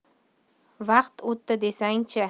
vaqt o'tdi desang chi